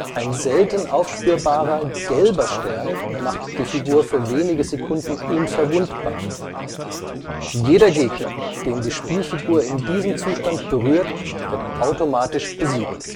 Ein selten aufspürbarer gelber Stern macht die Figur für wenige Sekunden unverwundbar. Jeder Gegner, den die Spielfigur in diesem Zustand berührt, wird automatisch besiegt